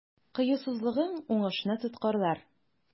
Кыюсызлыгың уңышны тоткарлар.